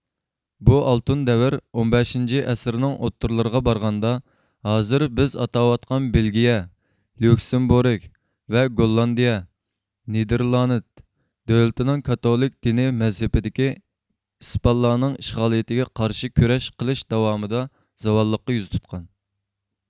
بۇ ئالتۇن دەۋر ئون بەشىنچى ئەسىرنىڭ ئوتتۇرىلىرىغا بارغاندا ھازىر بىز ئاتاۋاتقان بېلگىيە ليۇكسېمبۇرگ ۋە گوللاندىيە نېدېرلاند دۆلىتىنىڭ كاتولىك دىنىي مەزھىپىدىكى ئىسپانلارنىڭ ئىشغالىيىتىگە قارشى كۈرەش قىلىش داۋامىدا زاۋاللىققا يۈز تۇتقان